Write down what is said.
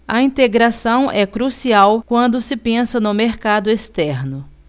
a integração é crucial quando se pensa no mercado externo